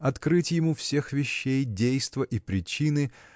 открыть ему всех вещей действа и причины